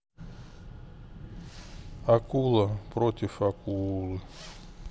акула против акулы